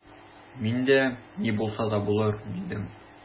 Мин дә: «Ни булса да булыр»,— дидем.